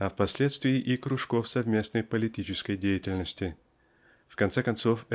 а впоследствии и кружков совместной политической деятельности. В конце концов